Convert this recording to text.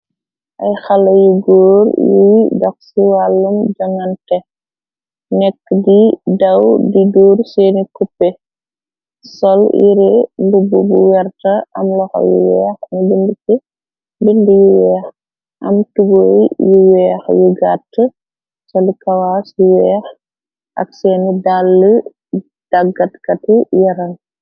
Ay xalèh yu gór yuy dox ci wàllum jonante nèkka gi daw di dóór seeni kupè , sol yirèh mbubu bu werta am loxo yu wèèx ni bindé bindé yu wèèx am tubay yu wèèx yu gatta sol kawas yu wèèx ak sèèni dalli tangalee kay yaram.